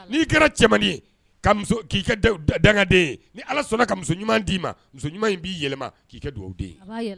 N'i kɛra cɛman k'i dangaden ye ni ala sɔnna ka muso ɲuman d'i ma muso ɲuman b'i yɛlɛma k'i kɛ dugawu den